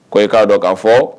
Ko' e k'a dɔn ka fɔ